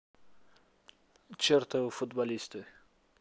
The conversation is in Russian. чертовы футболисты